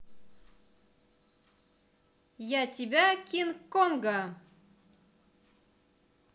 я тебя кинг конга